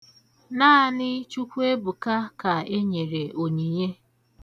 Naanị Chukwuebùka ka e nyere onyinye.